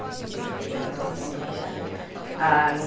A wnes i tsipio tamad o'r eisin oddi ar y gacen.